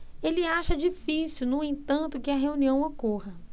ele acha difícil no entanto que a reunião ocorra